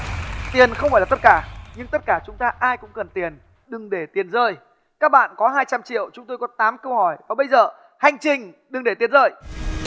tiền không phải là tất cả nhưng tất cả chúng ta ai cũng cần tiền đừng để tiền rơi các bạn có hai trăm triệu chúng tôi có tám câu hỏi và bây giờ hành trình đừng để tiền rơi